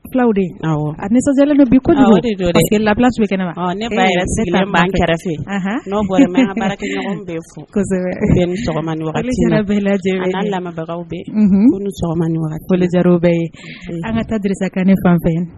Nisɔn bɛ labila sukɛnɛ ne kɛrɛfɛro bɛ an ka taad ne fan fɛ